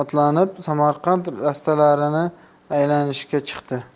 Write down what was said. otlanib samarqand rastalarini aylanishga chiqdi